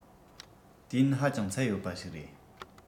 དུས ཡུན ཧ ཅང ཚད ཡོད པ ཞིག རེད